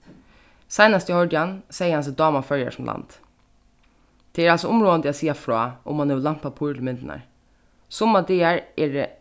seinast eg hoyrdi hann segði hann seg dáma føroyar sum land tað er altso umráðandi at siga frá um mann hevur lænt pappír til myndirnar summar dagar eru